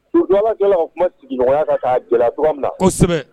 Su dɔjɔ o kuma sigi nɔgɔyaya kan'a jɔ tuma min na kosɛbɛ